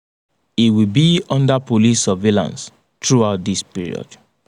He will be under police surveillance throughout this period.